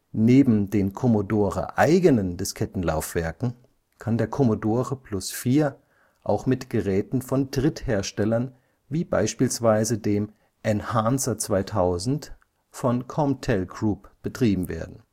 Neben den Commodore-eigenen Diskettenlaufwerken kann der Commodore Plus/4 auch mit Geräten von Drittherstellern wie beispielsweise dem Enhancer 2000 von Comtel Group betrieben werden